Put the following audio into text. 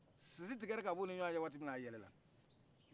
sisi tigɛra ka b'u ni ɲɔgɔncɛ a yɛlɛla